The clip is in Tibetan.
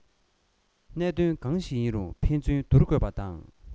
གནད དོན གང ཞིག ཡིན རུང ཕན ཚུན སྡུར དགོས པ དང